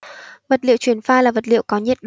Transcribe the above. vật liệu chuyển pha là vật liệu có nhiệt